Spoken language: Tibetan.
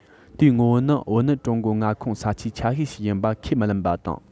དེའི ངོ བོ ནི བོད ནི ཀྲུང གོའི མངའ ཁོངས ས ཆའི ཆ ཤས ཤིག ཡིན པ ཁས མི ལེན པ དང